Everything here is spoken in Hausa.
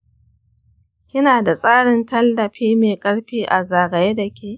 kina da tsarin tallafi mai karfi a zagaye dake.